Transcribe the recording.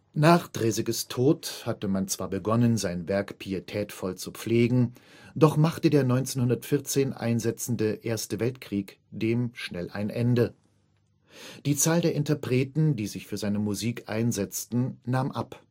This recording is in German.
Nach Draesekes Tod hatte man zwar begonnen, seine Werke pietätvoll zu pflegen, doch machte der 1914 einsetzende Erste Weltkrieg dem schnell ein Ende. Die Zahl der Interpreten, die sich für seine Musik einsetzten, nahm ab